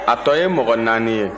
a tɔ ye mɔgɔ naani ye